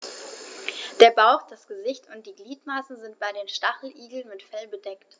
Der Bauch, das Gesicht und die Gliedmaßen sind bei den Stacheligeln mit Fell bedeckt.